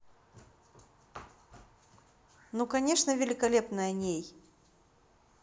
ну конечно великолепная ней